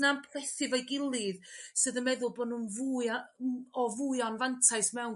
na'n plethu efo'i gilydd sydd yn meddwl bo' n'w'n fwy o fwy o anfantais mewn